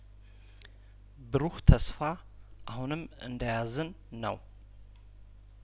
ብሩህ ተስፋ አሁንም እንደያዝን ነው